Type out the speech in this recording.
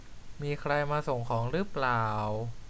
มีใครมาส่งของรึเปล่า